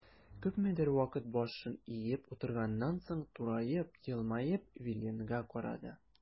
Күпмедер вакыт башын иеп утырганнан соң, тураеп, елмаеп Виленга карады.